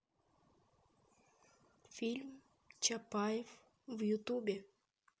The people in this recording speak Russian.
фильм чапаев в ютубе